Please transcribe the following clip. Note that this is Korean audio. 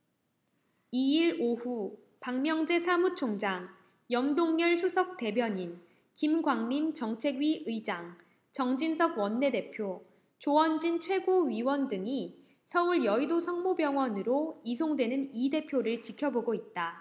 이 일 오후 박명재 사무총장 염동열 수석대변인 김광림 정책위의장 정진석 원내대표 조원진 최고위원 등이 서울 여의도성모병원으로 이송되는 이 대표를 지켜보고 있다